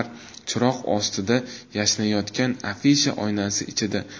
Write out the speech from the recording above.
chiroq ostida yashnayotgan afisha oynasi ichida